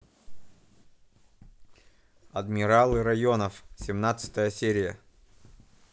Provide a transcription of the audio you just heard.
адмиралы районов семнадцатая серия